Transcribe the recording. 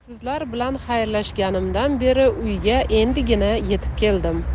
sizlar bilan xayrlashganimdan beri uyga endigina yetib keldim